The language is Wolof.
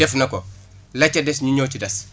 def na ko la ca des ñun ñoo ci des